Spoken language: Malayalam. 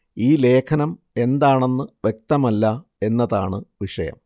ഈ ലേഖനം എന്താണെന്ന് വ്യക്തമല്ല എന്നതാണ് വിഷയം